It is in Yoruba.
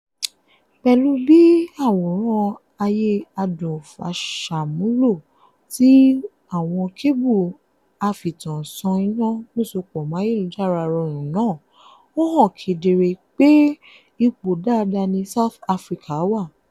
Pẹ̀lú bí àwòrán ayé adùnfáṣàmúlò ti àwọn kébù afìtànsán-iná-músopọ̀máyélujára-rọrùn náà, ó hàn kedere pé ipò dáadáa ni South Africa wà.